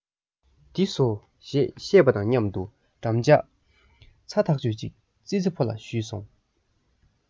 འདི ཟོ ཞེས བཤད པ དང མཉམ དུ འགྲམ ལྕག ཚ ཐག ཆོད གཅིག ཙི ཙི ཕོ ལ ཞུས སོང